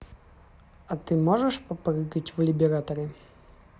а ты можешь попрыгать к либераторе